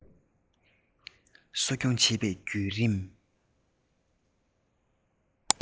གསོ སྐྱོང བྱེད པའི བརྒྱུད རིམ